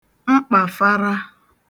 mkpàfara